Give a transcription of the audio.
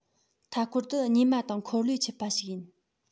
མཐའ སྐོར དུ སྙེ མ དང འཁོར ལོས འཁྱུད པ ཞིག ཡིན